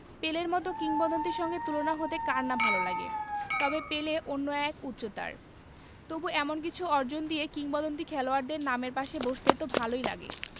পেলের মতো কিংবদন্তির সঙ্গে তুলনা হতে কার না ভালো লাগে তবে পেলে অন্য এক উচ্চতার তবু এমন কিছু অর্জন দিয়ে কিংবদন্তি খেলোয়াড়দের নামের পাশে বসতে তো ভালোই লাগে